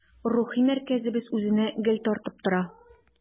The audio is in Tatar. Рухи мәркәзебез үзенә гел тартып тора.